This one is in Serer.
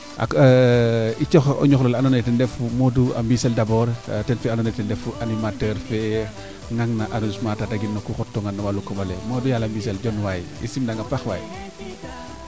a i cooxo ñuxrole oxe ando naye ten refu Mbisele dabord fe ando naye ten refu animateur fee ngang na arrodissement Tataguine no ku xotona no walum koɓale Modou yaala Mbisele Dione waay i sim nanga paax waay